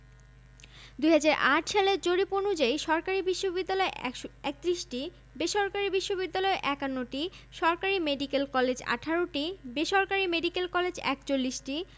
৭৫৬টি এবং প্রাথমিক বিদ্যালয় ৮২হাজার ২১৮টি স্বাস্থ্য সুবিধাঃ হাসপাতাল ২হাজার ৮৬০টি হাসপাতালের শয্যা সংখ্যা ৭৪হাজার ৪১৫টি